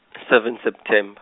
seven September.